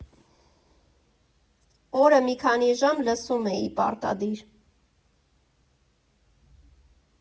Օրը մի քանի ժամ լսում էի, պարտադիր։